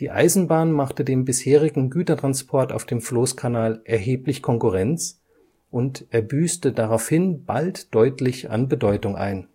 Eisenbahn machte dem bisherigen Gütertransport auf dem Floßkanal erheblich Konkurrenz, und er büßte daraufhin bald deutlich an Bedeutung ein